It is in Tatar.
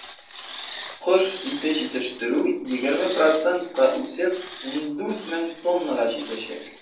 Кош ите җитештерү, 20 процентка үсеп, 14 мең тоннага җитәчәк.